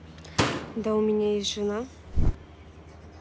да у меня есть жена